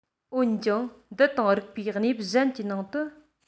འོན ཀྱང འདི དང རིགས འདྲ བའི གནས བབ གཞན གྱི ནང དུ